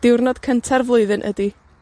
Diwrnod cynta'r flwyddyn, ydi